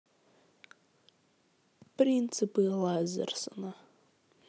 принципы лазерсона